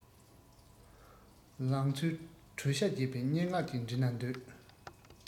ལང ཚོའི དྲོད ཤ རྒྱས པའི སྙན ངག ཅིག འབྲི ན འདོད